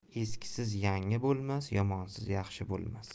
eskisiz yangi bo'lmas yomonsiz yaxshi bo'lmas